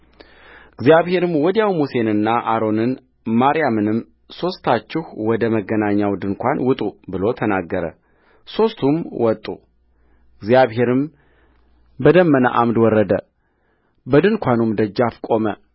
እግዚአብሔርም ወዲያው ሙሴንና አሮንን ማርያምንም ሦስታችሁ ወደ መገኛኛው ድንኳን ውጡ ብሎ ተናገረ ሦስቱም ወጡእግዚአብሔርም በደመና ዓምድ ወረደ በድንኳኑም ደጃፍ ቆመ